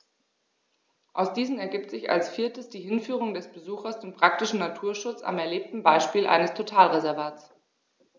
Aus diesen ergibt sich als viertes die Hinführung des Besuchers zum praktischen Naturschutz am erlebten Beispiel eines Totalreservats.